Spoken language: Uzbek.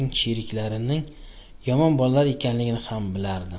sheriklarini yomon bolalar ekanligini xam bilardi